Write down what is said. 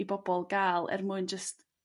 i bobol ga'l er mwyn jyst